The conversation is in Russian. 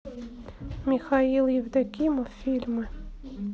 михаил евдокимов фильмы